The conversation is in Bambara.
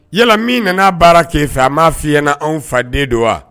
Yala min nana'a baara ke fɛ a m maa fɔiɲɛna na anw faden don wa